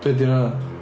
Be 'di hwnna?